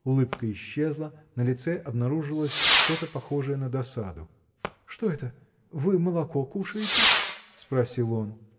Улыбка исчезла, на лице обнаружилось что-то похожее на досаду. – Что это, вы молоко кушаете? – спросил он.